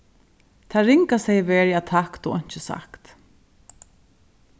tað ringasta hevði verið at tagt og einki sagt